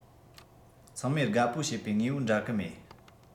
ཚང མས དགའ པོ བྱེད པའི དངོས པོ འདྲ གི མེད